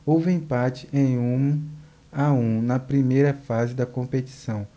houve empate em um a um na primeira fase da competição